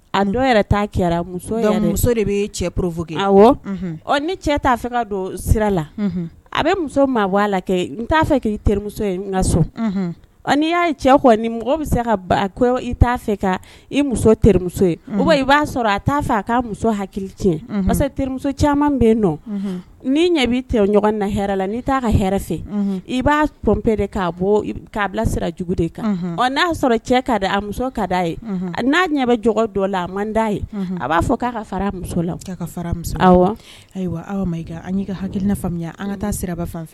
A dɔw muso muso de cɛoro ni cɛ t' fɛ ka don sira la a bɛ muso maa bɔ a la kɛ n t'a i terimuso ye sɔn n'i y'a cɛ mɔgɔ bɛ se i t'a fɛ i musomuso ye i b'a sɔrɔ a t'a fɔ a ka muso hakili masamuso caman bɛ yen nɔ ni ɲɛ' na hɛrɛ la n' t'a ka hɛrɛ fɛ i b'a tɔnp de k'a bɔ k'a bila sira jugu de kan ɔ n'a sɔrɔ cɛ ka di a muso ka da ye n'a ɲɛ bɛ dɔ la a man d'a ye a b'a fɔ k' ka fara muso ayiwa an ka hakili an ka taa sira fan fɛ